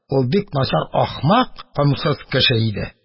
Ул бик начар, ахмак, комсыз кеше иде